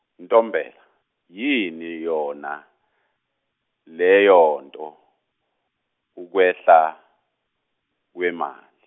Ntombela, yini yona, leyonto, ukwehla, kwemali.